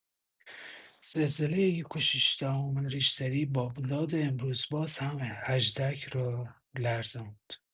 زلزله ⁩ ۶ ٫ ۱ ریش‌تری بامداد امروز باز هم هجدک را لرزاند